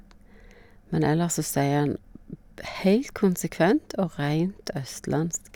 Men ellers så sier han b heilt konsekvent og reint østlandsk.